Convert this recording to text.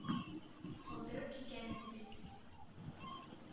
Калдырып киткән иде бит.